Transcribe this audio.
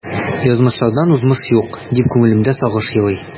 Язмышлардан узмыш юк, дип күңелемдә сагыш елый.